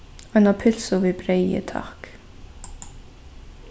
eina pylsu við breyði takk